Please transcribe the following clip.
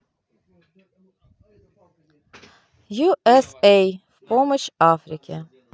ю эс эй в помощь африке